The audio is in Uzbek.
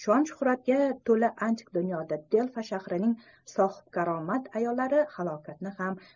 shon shuhratlarga to'la antik dunyoda del'fa shahrining sohibkaromat ayollari halokatni ham